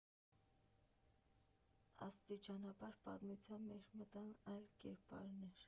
Աստիճանաբար պատմության մեջ մտան այլ կերպարներ։